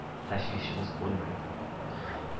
tashvishimiz bo'lmaydi